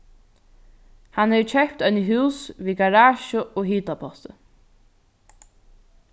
hann hevur keypt eini hús við garasju og hitapotti